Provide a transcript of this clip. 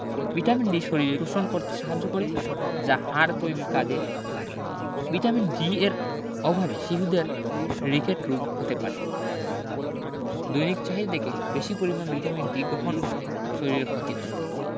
vitamin D শরীরে শোষণ করতে সাহায্য করে যা হাড় তৈরীর কাজে লাগে ভিটামিন D এর অভাবে শিশুদের রিকেট রোগ হতে পারে দৈনিক চাহিদা থেকে বেশী পরিমাণে ভিটামিন D গ্রহণ করলে শরীরের ক্ষতি হয়